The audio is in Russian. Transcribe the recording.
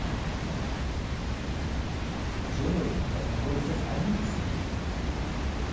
джой познакомься с алисой